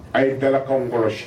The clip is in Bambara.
A ye dalakan kɔlɔsi